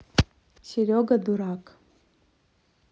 серега дурак